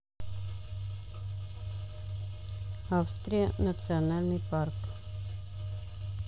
австрия национальный парк